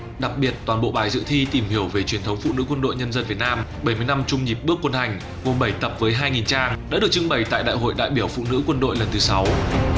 đặc biệt toàn bộ bài dự thi tìm hiểu về truyền thống phụ nữ quân đội nhân dân việt nam bảy mươi năm chung nhịp bước quân hành gồm bảy tập với hai nghìn trang đã được trưng bày tại đại hội đại biểu phụ nữ quân đội lần thứ sáu